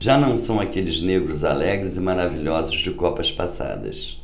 já não são aqueles negros alegres e maravilhosos de copas passadas